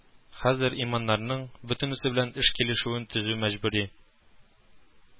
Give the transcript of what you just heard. Хәзер имамнарның бөтенесе белән эш килешүен төзү мәҗбүри